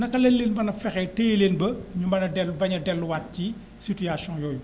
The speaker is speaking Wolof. naka lañ leen mën a fexee téye leen ba énu mën a dellu bañ a delluwaat ci situation yooyu